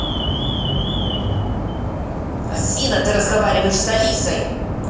афина ты разговариваешь с алисой